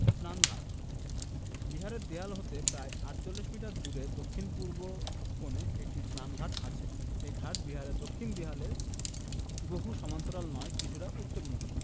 স্নানঘাটঃ বিহারের দেয়াল হতে প্রায় ৪৮ মিটার দূরে দক্ষিণ পূর্ব কোণে একটি স্নানঘাট আছে এ ঘাট বিহারের দক্ষিণ দেয়ালের হুবহু সমান্তরাল নয় কিছুটা উত্তরমুখী